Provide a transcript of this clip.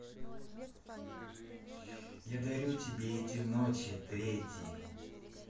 я дарю тебе эти ночи третий